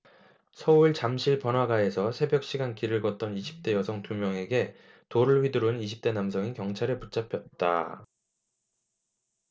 서울 잠실 번화가에서 새벽 시간 길을 걷던 이십 대 여성 두 명에게 돌을 휘두른 이십 대 남성이 경찰에 붙잡혔다